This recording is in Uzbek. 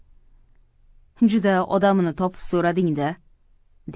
juda odamini topib so'rading da